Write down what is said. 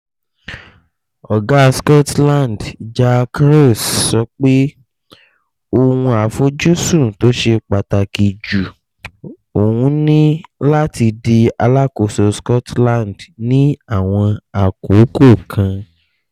Ọ̀gá Sunderland, Jack Ross sọ pé “ohun àfojúsùn tó ṣe pàtàkì jú” òun ní láti di alákòóso Scotland ni àwọn àkókò kan.